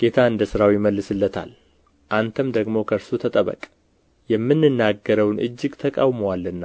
ጌታ እንደ ሥራው ይመልስለታል አንተም ደግሞ ከእርሱ ተጠበቅ የምንናገረውን እጅግ ተቃውሞአልና